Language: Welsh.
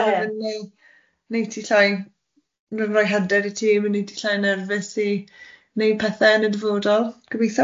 Ma' fe'n mynd i neu- wneud ti llai, roi hyder i ti mae'n mynd i ti llai nerfus i neud pethe yn y dyfodol gobitho.